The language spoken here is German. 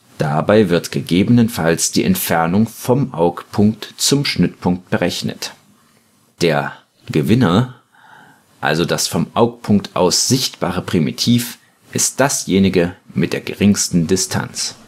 Dabei wird gegebenenfalls die Entfernung vom Augpunkt zum Schnittpunkt berechnet. Der „ Gewinner “, also das vom Augpunkt aus sichtbare Primitiv, ist dasjenige mit der geringsten Distanz